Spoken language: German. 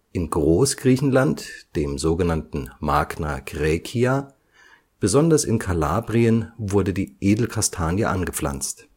In Großgriechenland (Magna Graecia), besonders in Kalabrien, wurde die Edelkastanie angepflanzt